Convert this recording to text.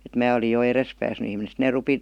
että minä oli jo edes päässyt ihminen sitten ne rupesi